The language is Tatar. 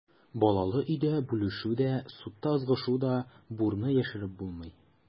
Балалы өйдә бүлешү дә, судта ызгышу да, бурны яшереп булмый.